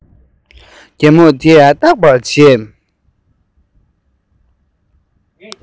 རྒན མོ དེས རྟག པར ང ལ